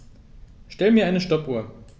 Stell mir eine Stoppuhr.